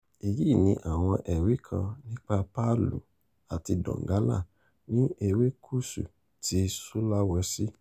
Èyí ni àwọn ẹ̀rí kan nípa Palu ati Donggala, ní erékùṣú ti Sulawesi: